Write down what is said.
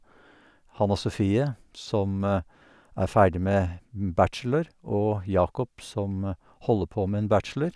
Hanna Sofie, som er ferdig med bachelor, og Jacob, som holder på med en bachelor.